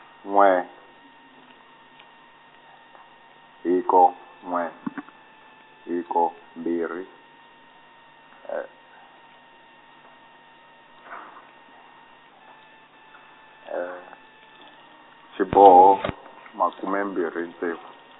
n'we, hiko, n'we , hiko mbhiri, , xiboho, makume mbhiri ntsevu.